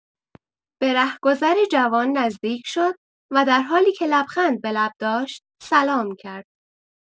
به رهگذر جوان نزدیک شد و در حالی که لبخند به لب داشت سلام کرد.